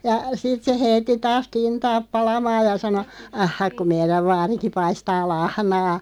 ja sitten se heitti taas kintaan palamaan ja sanoi aha kun meidän vaarikin paistaa lahnaa